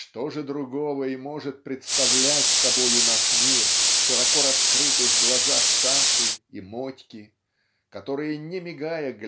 Что же другого и может представлять собою наш мир в широко раскрытых глазах Саши и Мотьки которые не мигая